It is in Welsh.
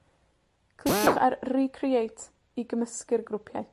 Cliciwch ar Recreate i gymysgu'r grwpiau.